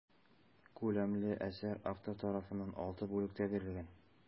Күләмле әсәр автор тарафыннан алты бүлектә бирелгән.